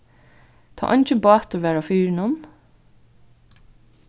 tá eingin bátur var á firðinum